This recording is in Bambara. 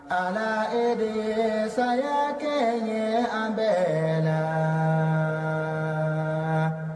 Ala e de ye sayaya kɛ ye an bɛ la